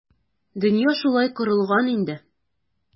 Дөнья шулай корылган инде.